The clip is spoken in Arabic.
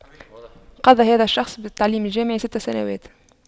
قضى هذا الشخص بالتعليم الجامعي ست سنوات